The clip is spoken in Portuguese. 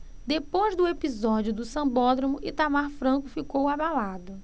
depois do episódio do sambódromo itamar franco ficou abalado